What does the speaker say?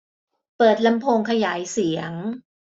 เปิดลำโพงขยายเสียง